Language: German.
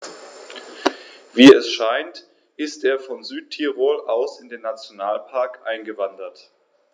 Wie es scheint, ist er von Südtirol aus in den Nationalpark eingewandert.